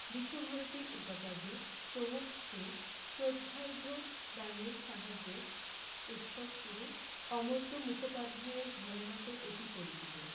বিশ্বভারতীর উপাচার্য প্রমুখকে শ্রদ্ধার্ঘ্য দানের সাহায্যে উৎসব শুরু অমর্ত্য মুখোপাধ্যায়ের ঘরানা তো অতি পরিচিত